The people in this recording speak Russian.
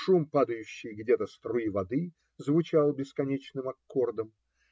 Шум падающей где-то струи воды звучал бесконечным аккордом.